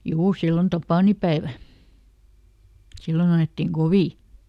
juu silloin tapaninpäivä silloin ajettiin kovin